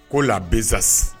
Ko la besace